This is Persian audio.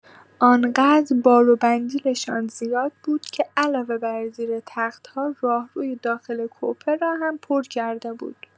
آنقدر بار و بندیل‌شان زیاد بود که علاوه بر زیر تخت‌ها، راهروی داخل کوپه را هم پر کرده بود.